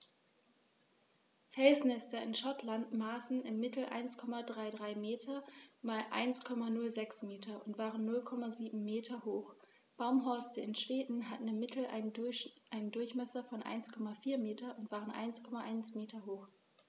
Felsnester in Schottland maßen im Mittel 1,33 m x 1,06 m und waren 0,79 m hoch, Baumhorste in Schweden hatten im Mittel einen Durchmesser von 1,4 m und waren 1,1 m hoch.